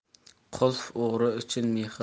qulf o'g'ri uchun